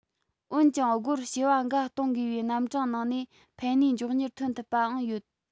འོན ཀྱང སྒོར བྱེ བ འགའ གཏོང དགོས པའི རྣམ གྲངས ནང ནས ཕན ནུས མགྱོགས མྱུར ཐོན ཐུབ པའང ཡོད